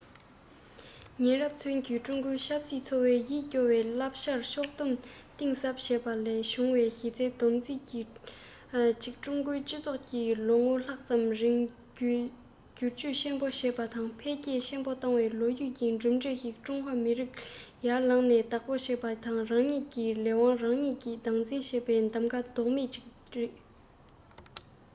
ཉེ རབས ཚུན གྱི ཀྲུང གོའི ཆབ སྲིད འཚོ བའི ཡིད སྐྱོ བའི བསླབ བྱར ཕྱོགས སྡོམ གཏིང ཟབ བྱས པ ལས བྱུང བའི གཞི རྩའི བསྡོམས ཚིག ཅིག ཀྲུང གོའི སྤྱི ཚོགས ཀྱིས ལོ ངོ ལྷག ཙམ རིང སྒྱུར བཅོས ཆེན པོ བྱས པ དང འཕེལ རྒྱས ཆེན པོ བཏང བའི ལོ རྒྱུས ཀྱི གྲུབ འབྲས ཤིག ཀྲུང གོ མི དམངས ཡར ལངས ནས བདག པོར གྱུར པ དང རང ཉིད ཀྱི ལས དབང རང ཉིད ཀྱིས སྟངས འཛིན བྱས པའི གདམ ག ལྡོག མེད ཅིག རེད